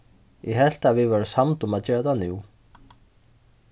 eg helt at vit vóru samd um at gera tað nú